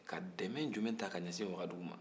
ka dɛmɛ jumɛn ta k'a ɲɛsin wagadu ma